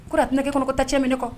Kɔr'a tɛna kɛ ko tatiɲɛ bɛ ne kɔ